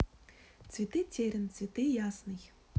цветы террин цветы ясный